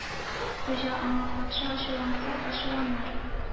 Хуҗа аңа: Патша ачуланса ачуланыр,